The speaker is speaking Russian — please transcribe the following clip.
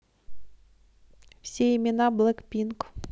все имена блэк пинк